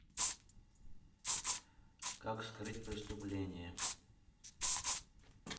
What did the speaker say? как скрыть преступление